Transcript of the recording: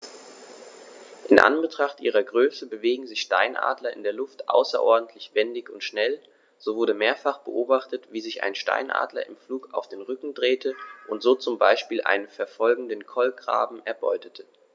In Anbetracht ihrer Größe bewegen sich Steinadler in der Luft außerordentlich wendig und schnell, so wurde mehrfach beobachtet, wie sich ein Steinadler im Flug auf den Rücken drehte und so zum Beispiel einen verfolgenden Kolkraben erbeutete.